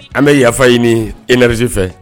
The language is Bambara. An bɛ yafa ɲini énergie fɛ